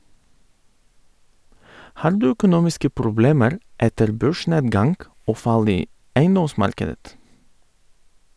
- Har du økonomiske problemer etter børsnedgang og fall i eiendomsmarkedet?